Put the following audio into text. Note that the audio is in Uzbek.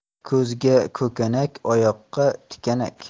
ko'zga ko'kanak oyoqqa tikanak